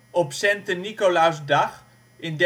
Op " Sente Nycolausdach " in